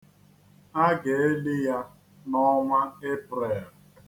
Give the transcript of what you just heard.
A ga-eli ya n'ọnwa Epreel.